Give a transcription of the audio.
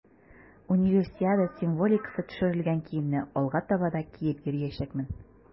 Универсиада символикасы төшерелгән киемне алга таба да киеп йөриячәкмен.